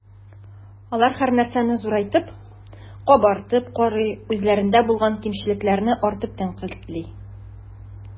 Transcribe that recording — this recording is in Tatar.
Алар һәрнәрсәне зурайтып, “кабартып” карый, үзләрендә булган кимчелекләрне артык тәнкыйтьли.